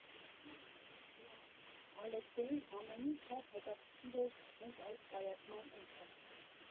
Ալեքսեյին ամենից շատ հետաքրքիր էր հենց այդ կայացման ընթացքը։